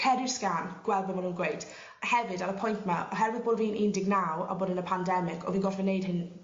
cer i'r sgan gwel' be' ma' nw'n gweud a hefyd ar y pwynt 'ma oherwydd bo' fi'n un deg naw a bod yn y pandemic o' fi'n gorffo neud hyn